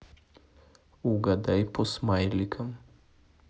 угадай по смайликам